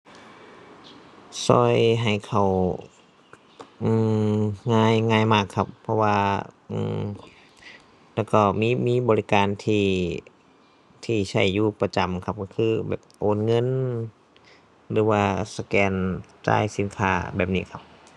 ช่วยให้เข้า อือ ง่าย ง่ายมากครับ เพราะว่า อือ แล้วก็มี มีบริการที่ ที่ใช้อยู่ประจำครับ ช่วยคือ แบบโอนเงินหรือว่าสแกนจ่ายสินค้า แบบนี้ครับ